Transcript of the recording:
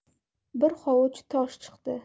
bir hovuch tosh chiqdi